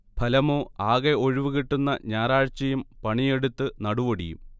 ഫലമോ ആകെ ഒഴിവുകിട്ടുന്ന ഞായറാഴ്ചയും പണിയെടുത്ത് നടുവൊടിയും